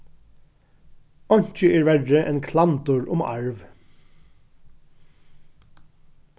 einki er verri enn klandur um arv